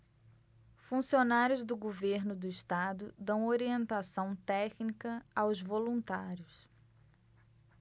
funcionários do governo do estado dão orientação técnica aos voluntários